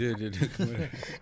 déedéet